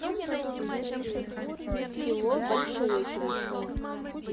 село большеокинское